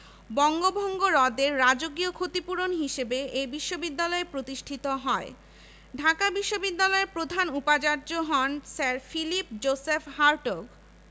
পক্ষান্তরে মুসলিম সম্প্রদায় রাজনৈতিক অর্থনৈতিক ও সাংস্কৃতিক ক্ষেত্রে পেছনে পড়ে থাকে এ মনোভাব সম্পর্কে অন্তত চারটি কমিশন মন্তব্য করে যার মধ্যে ছিল